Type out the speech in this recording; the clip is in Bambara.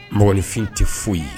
Mɔgɔninfin tɛ foyi ye